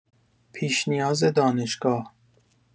پیش‌نیاز دانشگاه